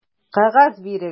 Кәгазь бирегез!